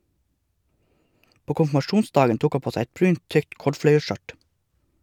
På konfirmasjonsdagen tok han på seg et brunt, tykt kordfløyelsskjørt.